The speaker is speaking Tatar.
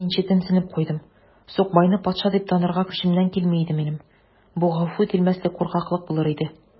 Мин читенсенеп куйдым: сукбайны патша дип танырга көчемнән килми иде минем: бу гафу ителмәслек куркаклык булыр иде.